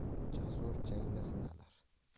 jasur jangda sinalar